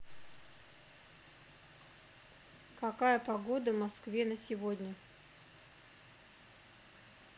какая погода в москве на сегодня